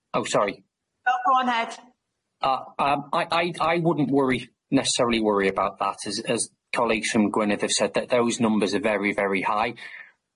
Oh sorry. No go on Ed. Yym I I wouldn't worry, necessary worry colleagues from Gwynedd have said that those numbers are very very high.